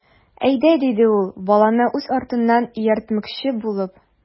Әйдә,— диде ул, баланы үз артыннан ияртмөкче булып.